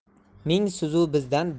ming siz u bizdan